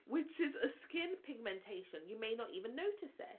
Which is a skin pigmentation, you may not even notice it.